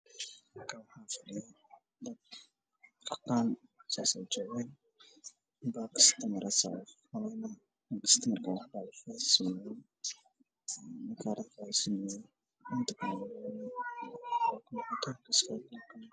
Meeshaan waxaa fadhiyaan niman badan oo wataan Dhar cdays ah waxayna ku jiraan qol